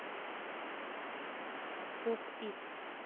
pop it